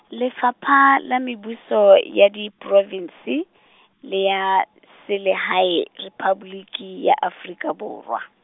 Lefapha la Mebuso ya diprovinse , le ya Selehae, Rephaboliki ya Afrika Borwa.